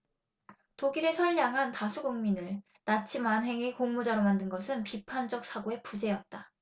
독일의 선량한 다수 국민을 나치 만행의 공모자로 만든 것은 비판적 사고의 부재였다